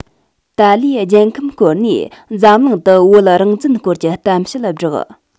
ཏཱ ལའི རྒྱལ ཁམས བསྐོར ནས འཛམ གླིང དུ བོད རང བཙན སྐོར གྱི གཏམ བཤད བསྒྲགས